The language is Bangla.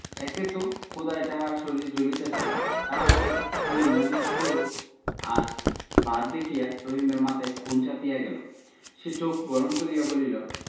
একে তো ক্ষুধায় তাহার শরীর জ্বলিতেছে তাহার উপর এই মরিচ পুরো আর ভাত দেখিয়া রহিমের মাথায় খুন চাপিয়া গেল সে চোখ গরম করিয়া বলিল